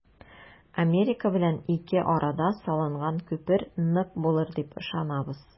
Америка белән ике арада салынган күпер нык булыр дип ышанабыз.